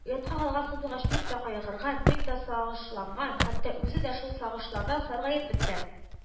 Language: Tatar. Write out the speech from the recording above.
Оятка калган сандугач бик кайгырган, бик тә сагыншланган, хәтта үзе дә шул сагышлардан саргаеп беткән